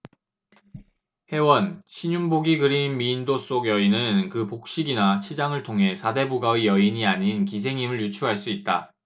혜원 신윤복이 그린 미인도 속 여인은 그 복식이나 치장을 통해 사대부가의 여인이 아닌 기생임을 유추할 수 있다